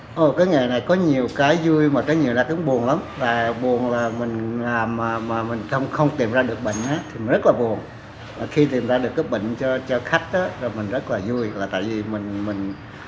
ồ cái nghề này có nhiều cái vui mà có nhiều là cái buồn lắm à buồn là mình làm mà mà mình chông không tìm ra được bệnh á thì rất là buồn khi tìm ra được cái bệnh cho cho khách á là mình rất là vui là tại vì mình mình